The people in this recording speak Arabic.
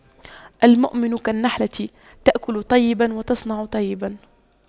المؤمن كالنحلة تأكل طيبا وتضع طيبا